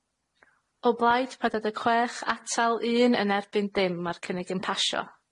O blaid, pedwar deg chwech. Atal, un. Yn erbyn, dim. Ma'r cynnig yn pasio.